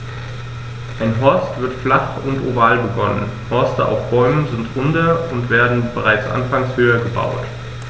Ein Horst wird flach und oval begonnen, Horste auf Bäumen sind runder und werden bereits anfangs höher gebaut.